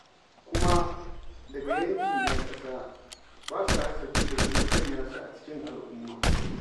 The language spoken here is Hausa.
Kuma, daga yankin 'yan ƙasa, ba su hasafi da kuma sanya su a cikin al'umma.